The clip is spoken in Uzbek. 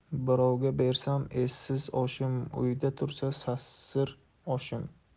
birovga bersam essiz oshim uyda tursa sasir oshim